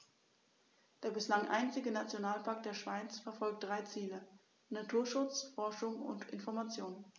Der bislang einzige Nationalpark der Schweiz verfolgt drei Ziele: Naturschutz, Forschung und Information.